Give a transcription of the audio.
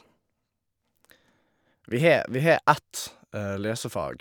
vi har Vi har ett lesefag.